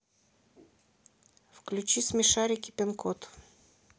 включи смешарики пин код